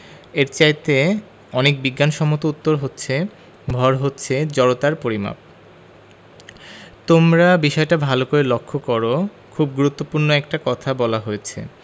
এর চাইতে অনেক বিজ্ঞানসম্মত উত্তর হচ্ছে ভর হচ্ছে জড়তার পরিমাপ তোমরা বিষয়টা ভালো করে লক্ষ করো খুব গুরুত্বপূর্ণ একটা কথা বলা হয়েছে